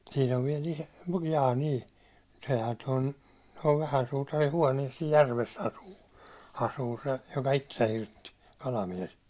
siinä on vielä - jaa niin sehän tuon tuon vähän suutarin huoneissa siinä järvessä asuu asuu se joka itsensä hirtti kalamies